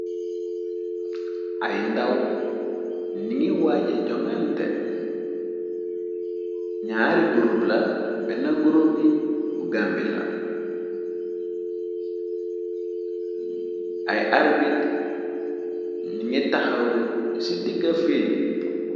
Ay ndaw ningi waaje jongante ñaari gurub la benn gurubi bu gambi la ay arbit ningi taxaw ci digga fiil bi.